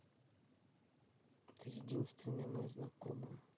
ты единственная моя знакомая